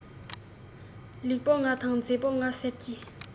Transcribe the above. ལེགས པོ ང དང མཛེས པོ ང ཟེར གྱི